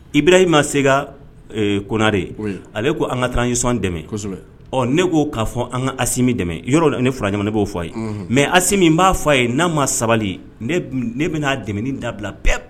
Ibarahima Seka Konare, oui ale ko an ka transition dɛmɛ, kosɛbɛ, ɔ ne ko ka fɔ, k'an ka Asimi dɛmɛ yɔrɔ ni fura dama, n b'o f'a ye, unhun mais Asimi n b'a f'a ye n'a ma sabali, ne bɛna a dɛmɛli dabila pewu.